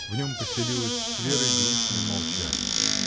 В нем поселилось с Верой грустное молчание.